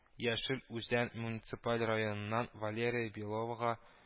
Яшел Үзән муниципаль районыннан Валерия Беловага